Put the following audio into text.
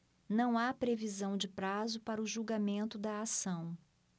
não há previsão de prazo para o julgamento da ação